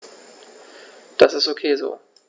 Das ist ok so.